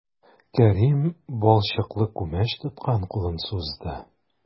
Кәрим балчыклы күмәч тоткан кулын сузды.